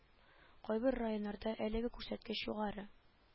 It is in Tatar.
Кайбер районнарда әлеге күрсәткеч югары